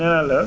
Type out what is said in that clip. nee naa la